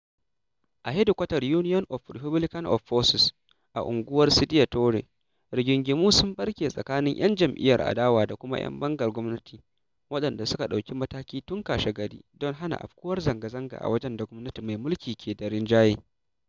…a hedkwatar Union of Republican Forces (URF) a unguwar Sidya Toure, rigingimu sun ɓarke tsakanin 'yan jam'iyyar adawa da kuma 'yan bangar gwamnati waɗanda suka ɗauki mataki tun kashegari don hana afkuwar zanga-zanga a wajen da gwamnatin mai mulki ke da rinjaye.